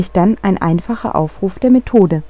dann ein einfacher Aufruf der Methode